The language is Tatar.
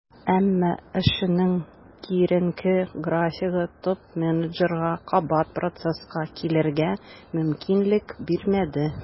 Әмма эшенең киеренке графигы топ-менеджерга кабат процесска килергә мөмкинлек бирмәде.